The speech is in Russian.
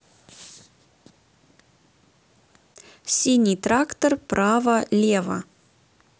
синий трактор право лево